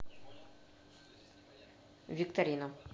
викторина